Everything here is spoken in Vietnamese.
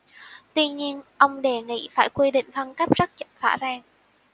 tuy nhiên ông đề nghị phải quy định phân cấp rất rõ ràng